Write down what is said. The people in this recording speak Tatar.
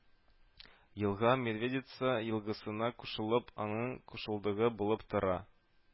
Елга Медведица елгасына кушылып, аның кушылдыгы булып тора